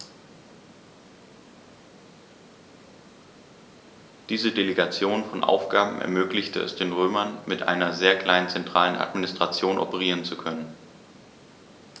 Diese Delegation von Aufgaben ermöglichte es den Römern, mit einer sehr kleinen zentralen Administration operieren zu können.